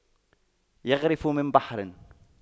يَغْرِفُ من بحر